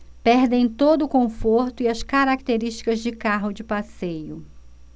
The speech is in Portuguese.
perdem todo o conforto e as características de carro de passeio